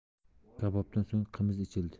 kabobdan so'ng qimiz ichildi